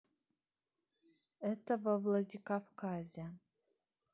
это во владикавказе